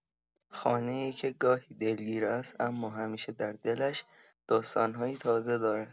خانه‌ای که گاهی دلگیر است، اما همیشه در دلش داستان‌هایی تازه دارد.